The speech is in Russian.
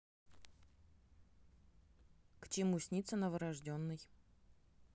к чему снится новорожденный